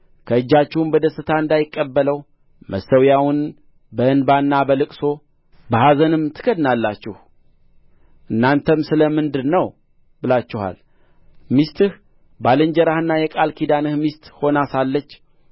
ከእጃችሁም በደስታ እንዳይቀበለው መሠዊያውን በእንባና በልቅሶ በኀዘንም ትከድናላችሁ እናንተም ስለ ምንድር ነው ብላችኋል ሚስትህ ባልንጀራህና የቃል ኪዳንህ ሚስት ሆና ሳለች